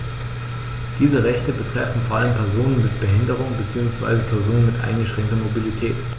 Diese Rechte betreffen vor allem Personen mit Behinderung beziehungsweise Personen mit eingeschränkter Mobilität.